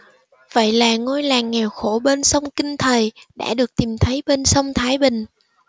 vậy là ngôi làng nghèo khổ bên sông kinh thầy đã được tìm thấy bên sông thái bình